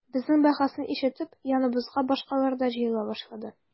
Безнең бәхәсне ишетеп яныбызга башкалар да җыела башлады.